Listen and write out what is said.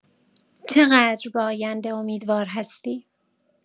چقدر به آینده امیدوار هستی؟